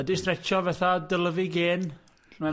Ydi stretsio fatha dylyfu gên?